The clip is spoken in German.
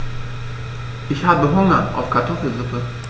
Ich habe Hunger auf Kartoffelsuppe.